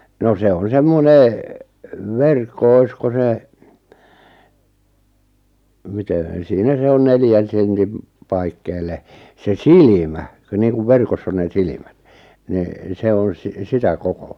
no se on semmoinen verkko olisiko se miten siinä se on neljän sentin paikkeille se silmä kun niin kuin verkossa on ne silmät niin se on - sitä kokoa